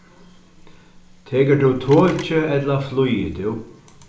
tekur tú tokið ella flýgur tú